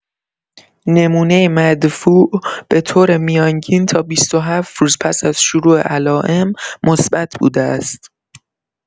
نمونه مدفوع به‌طور میانگین تا ۲۷ روز پس‌از شروع علائم مثبت بوده است.